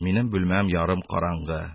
Минем бүлмәм ярым караңгы.